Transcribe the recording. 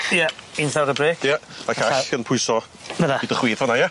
Ie un llaw ar y brêc. Ie a llall yn pwyso... myn 'na. I dy chwith fan 'na ia?